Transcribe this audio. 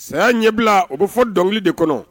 Saya ɲɛbila u bɛ fɔ dɔnkili de kɔnɔ